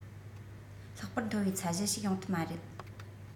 ལྷག པར མཐོ བའི ཚད གཞི ཞིག ཡོང ཐུབ མ རེད